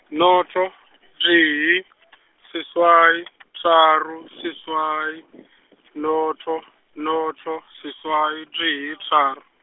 noto, tee , seswai, tharo, seswai, noto, noto, seswai, tee, tharo.